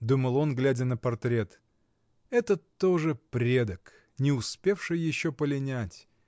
— думал он, глядя на портрет, — это тоже предок, не успевший еще полинять